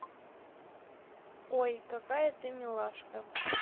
ой какая ты милашка